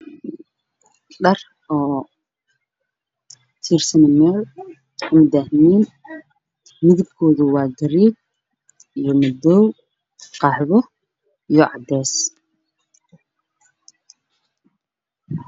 Meeshan waxaa yaalo dhar kala nooc ah oo afar qaybood ka